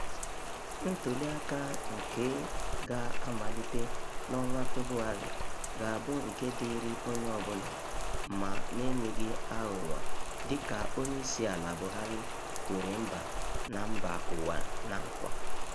Ntụliaka ndị nke ga-amalite n'ọnwa Febụwarị ga-abụ nke dịịrị onye ọbụla ma na-enweghị aghụghọ dịka Onyeisiala Buhari kwere mba na mba ụwa na nkwa.